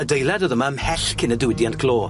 Adeilad o'dd yma ymhell cyn y diwydiant glo.